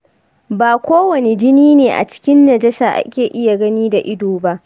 ba kowani jini ne a cikin najasa ake iya gani da ido ba.